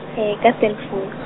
ee, ka cell phone .